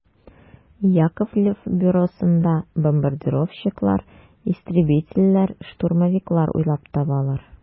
Яковлев бюросында бомбардировщиклар, истребительләр, штурмовиклар уйлап табалар.